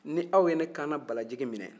ni aw ye ne kana balajigi minɛ